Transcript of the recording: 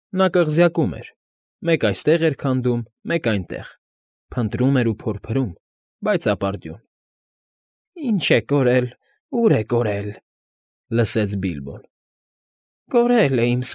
Նա կղզյակում էր, մեկ այստեղ էր քանդում, մեկ այնտեղ, փնտրում էր ու փորփրում, բայց ապարդյուն։ ֊ Ի՞նչ է եղել, ո՞ւր է կորել,֊ լսեց Բիլբոն։֊ Կորել է, իմ։